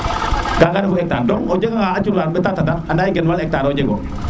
kaga refu hectar donc mu duuf tona a cum waar ɓeta tadak anda ye gen war hectar ro jego